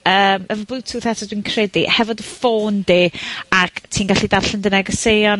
yym, efo Bluetooth eto dwi'n credu, hefo dy ffôn di, ac ti'n gallu darllen dy negeseuon